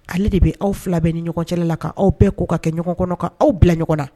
Ale de bɛ aw fila bɛɛ ni ɲɔgɔncɛ la' awaw bɛɛ ko ka kɛ ɲɔgɔn kɔnɔ kan aw bila ɲɔgɔn na